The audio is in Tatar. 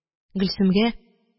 Гөлсемгә: